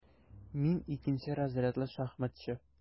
Мин - икенче разрядлы шахматчы.